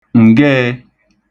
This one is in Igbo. òleē